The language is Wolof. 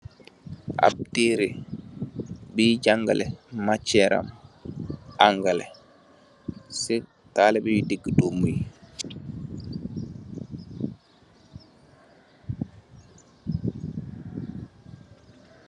Ap terreh bui jangaleh maceram Angaleh si talibeh yu diggi doom yi.